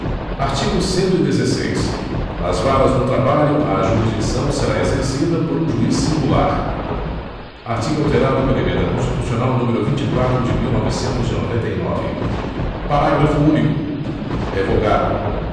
artigo cento e dezesseis nas varas do trabalho a jurisdição será exercida por um juiz singular artigo alterado pela emenda constitucional número vinte e quatro de mil novecentos e noventa e nove parágrafo único revogado